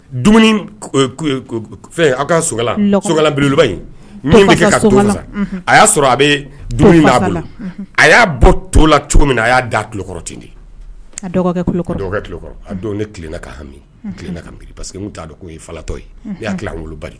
Ka sokɛlanba kɛ a y'a sɔrɔ a bɛ a y'a bɔ to la cogo min na a y'a da tulokɔrɔ ten de akɛ nilaka hami pa que t'a ko ye fatɔ ye y'a ki kulubali